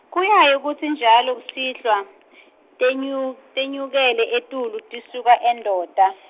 kuyaye kutsi njalo kusihlwa tenyu- tenyukele etulu tisuka eNdonda.